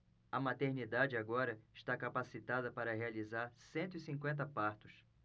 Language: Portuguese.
a maternidade agora está capacitada para realizar cento e cinquenta partos